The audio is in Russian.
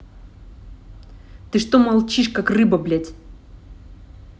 ты что молчишь как рыба блядь